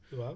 waaw